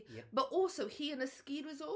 Ie... But also, hi yn y ski resort.